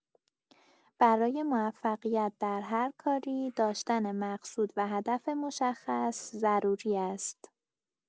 برای موفقیت در هر کاری، داشتن مقصود و هدف مشخص ضروری است.